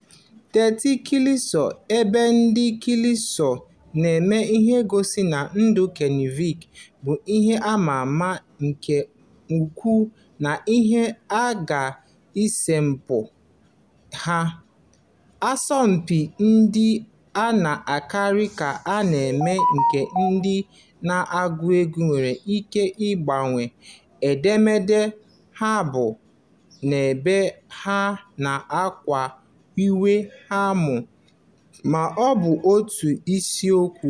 Tentị kalịpso, ebe ndị kalịpso na-eme ihe ngosi n'udu Kanịva, bụ ihe a ma ama nke ukwuu n'ihi "agha estempo" ha, asọmpị ndị a na-ekiri ka ha na-eme nke ndị na-agụ egwu nwere ike ịgbanwe edemede abụ n'ebe ahụ na-akwa onwe ha emo, ma ọ bụ n'otu isiokwu.